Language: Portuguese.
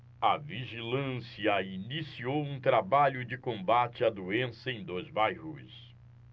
a vigilância iniciou um trabalho de combate à doença em dois bairros